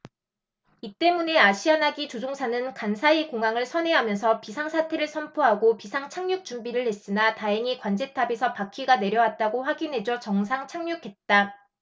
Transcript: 이 때문에 아시아나기 조종사는 간사이공항을 선회하면서 비상사태를 선포하고 비상착륙 준비를 했으나 다행히 관제탑에서 바퀴가 내려왔다고 확인해 줘 정상 착륙했다